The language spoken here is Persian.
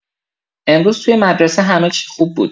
امروز توی مدرسه همه چی خوب بود.